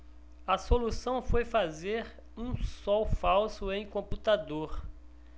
a solução foi fazer um sol falso em computador